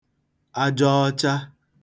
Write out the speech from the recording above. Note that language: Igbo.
aja ọcha